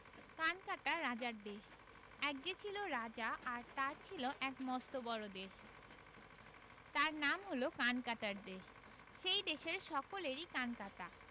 কানকাটা রাজার দেশ এক ছিল রাজা আর তার ছিল এক মস্ত বড়ো দেশ তার নাম হল কানকাটার দেশ সেই দেশের সকলেরই কান কাটা